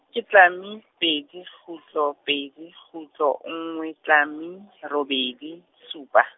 ke tlame, pedi kgutlo pedi kgutlo nngwe tlame, robedi supa.